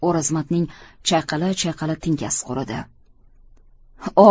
o'rozmatning chayqala chayqala tinkasi quridi